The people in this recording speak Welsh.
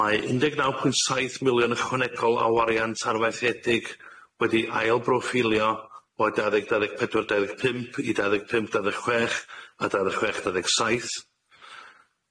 Mae un deg naw pwynt saith miliwn ychwanegol o wariant arfaethiedig wedi ail broffilio o dau ddeg dau ddeg pedwar dau ddeg pump, i dau ddeg pump dau ddeg chwech a dau ddeg chwech dau ddeg saith.